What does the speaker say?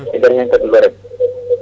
e nder hen kadi looren